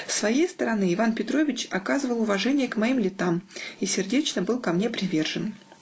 С своей стороны, Иван Петрович оказывал уважение к моим летам и сердечно был ко мне привержен.